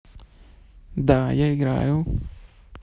да я играю